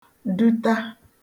duta